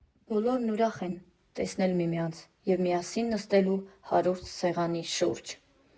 Բոլորն ուրախ են տեսնել միմյանց և միասին նստելու հարուստ սեղանի շուրջ։